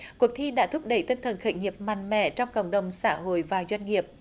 cuộc thi đã thúc đẩy tinh thần khởi nghiệp mạnh mẽ trong cộng đồng xã hội và doanh nghiệp